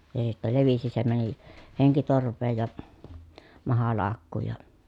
se sitten levisi se meni henkitorveen ja mahalaukkuun ja